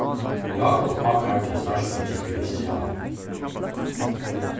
jákup ákærdi starvsfólkið fyri at stjala